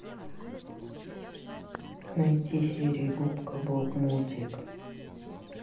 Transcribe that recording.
найти серии губка боб мультик